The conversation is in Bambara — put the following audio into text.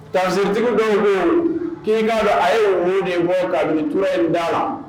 Tatigiw dɔ bɛ k kin k'a a ye wo de bɔ ka tulo in da la